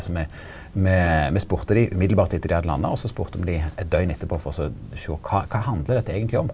så me me me spurde de direkte etter dei hadde landa også spurte me dei eit døgn etterpå for også sjå kva kva handlar dette eigentleg om?